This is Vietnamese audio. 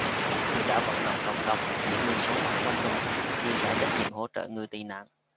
chị đã vận động cộng đồng những người sống quanh mình chia sẻ trách nhiệm hỗ trợ người tị nạn